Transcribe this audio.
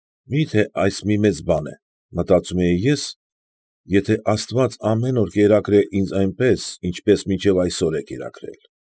Մի՞թե այս մի մեծ բան է, մտածում էի ես, եթե աստված ամեն օր կերակրե ինձ այնպես, ինչպես մինչև այսօր է կերակրել։